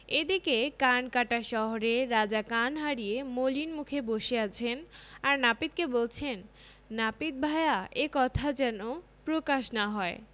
এদিকে কানকাটা শহরে রাজা কান হারিয়ে মলিন মুখে বসে আছেন আর নাপিতকে বলছেন নাপিত ভায়া এ কথা যেন প্রকাশ না হয়